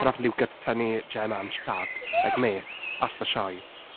Pan wnaeth Luca t- tynnu Gemma am chat... Ie... Like mate, that’s the sioe.